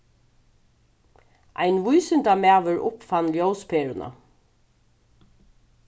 ein vísindamaður uppfann ljósperuna